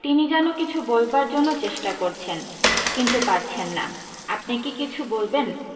তিনি যেন কিছু বলবার জন্য চেষ্টা করছেন কিন্তু পারছেন না আপনি কী কিছু বলবেন